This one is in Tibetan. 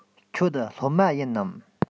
ཁྱོད སློབ མ ཡིན ནམ